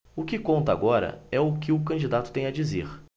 o que conta agora é o que o candidato tem a dizer